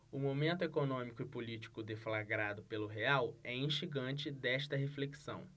o momento econômico e político deflagrado pelo real é instigante desta reflexão